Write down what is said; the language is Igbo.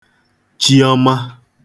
chiọma